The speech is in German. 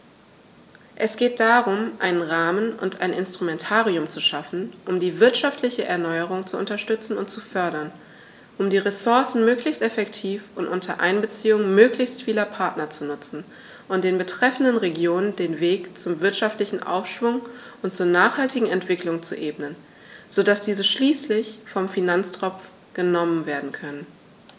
Es geht darum, einen Rahmen und ein Instrumentarium zu schaffen, um die wirtschaftliche Erneuerung zu unterstützen und zu fördern, um die Ressourcen möglichst effektiv und unter Einbeziehung möglichst vieler Partner zu nutzen und den betreffenden Regionen den Weg zum wirtschaftlichen Aufschwung und zur nachhaltigen Entwicklung zu ebnen, so dass diese schließlich vom Finanztropf genommen werden können.